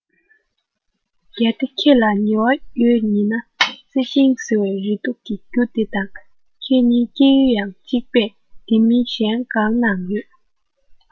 གལ ཏེ ཁྱོད ལ ཉེ བ ཡོད ངེས ན བསེ ཤིང ཟེར བའི རེག དུག གི རྒྱུ དེ དང ཁྱོད གཉིས སྐྱེ ཡུལ ཡང གཅིག པས དེ མིན གཞན གང ན ཡོད